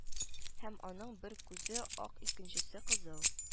Һәм аның бер күзе ак икенчесе кызыл